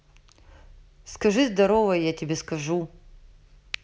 скажи здоровое я тебе скажу